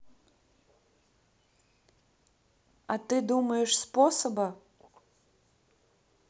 а ты думаешь способа